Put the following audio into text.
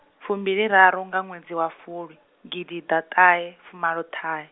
fumbiliraru nga ṅwedzi wa fulwi, gidiḓaṱahefumaloṱahe.